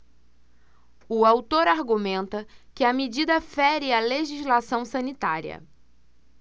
o autor argumenta que a medida fere a legislação sanitária